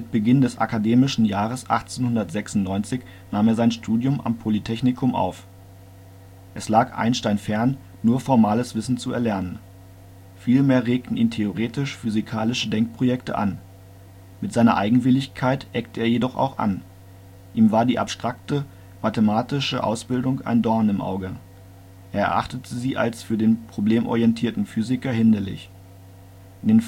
Beginn des akademischen Jahres 1896 nahm er sein Studium am Polytechnikum auf. Es lag Einstein fern, nur formales Wissen zu erlernen. Vielmehr regten ihn theoretisch-physikalische Denkprojekte an. Mit seiner Eigenwilligkeit eckte er jedoch auch an. Ihm war die abstrakte mathematische Ausbildung ein Dorn im Auge, er erachtete sie als für den problemorientierten Physiker hinderlich. In